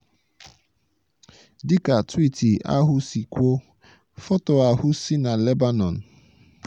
Dịka twiiti ahụ si kwuo, foto ahụ si na Lebanon.